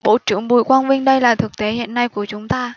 bộ trưởng bùi quang vinh đây là thực tế hiện nay của chúng ta